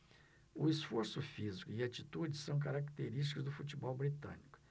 o esforço físico e a atitude são característicos do futebol britânico